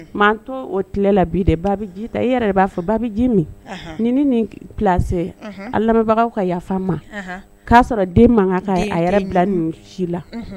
Mais an tɛ o tilela bi de , baabi ji ta, i yɛrɛ b'a fɔ baabi ji min, unhun, nin nin placer ,unhun, an lamɛnbagaw ka yafa ma, anhan, k'a sɔrɔ den man kan k'a den tɛ ,yɛrɛ bila nin si la, unhun.